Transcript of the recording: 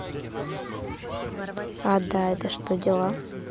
а да это что делала